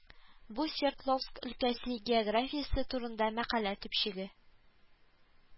Бу Свердловск өлкәсе географиясе турында мәкалә төпчеге